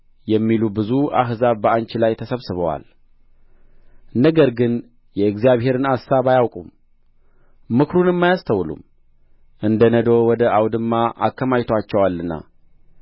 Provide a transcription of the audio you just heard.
የሚሉ ብዙ አሕዛብ በአንቺ ላይ ተሰብስበዋል ነገር ግን የእግዚአብሔርን አሳብ አያውቁም ምክሩንም አያስተውሉም እንደ ነዶ ወደ አውድማ አከማችቶአቸዋልና